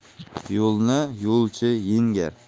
yo'lni yo'lchi yengar